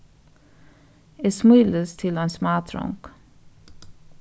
eg smílist til ein smádrong